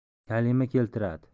kalima keltiradi